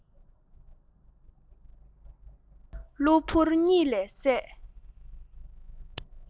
གླུ བུར གཉིད ལས སད